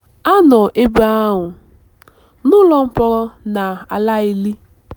Ha nọ ebe ahụ: N'ụlọ mkpọrọ na na ala ili.